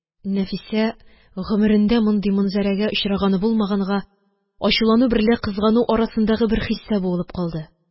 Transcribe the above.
Нәфисә, гомерендә мондый манзарәгә очраганы булмаганга, ачулану берлә кызгану арасындагы бер хистә буылып калды.